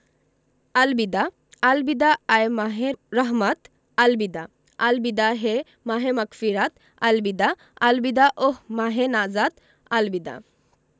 আল বিদা আল বিদা হে মাহে মাগফিরাত আল বিদা আল বিদা ওহঃ মাহে নাজাত আল বিদা